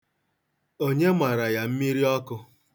Onye mara ya mmiri ọkụ?